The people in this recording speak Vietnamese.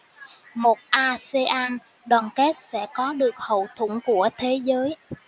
một asean đoàn kết sẽ có được hậu thuẫn của thế giới